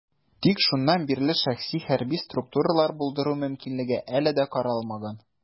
Тик шуннан бирле шәхси хәрби структуралар булдыру мөмкинлеге әле дә каралмаган.